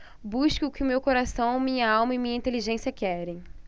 busco o que meu coração minha alma e minha inteligência querem